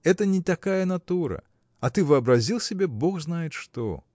это не такая натура: а ты вообразил себе бог знает что.